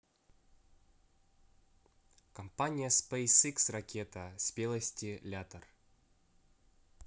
компания spacex ракета спелости лятор